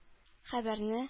Хәбәрне